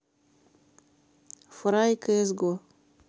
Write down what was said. фрай кс го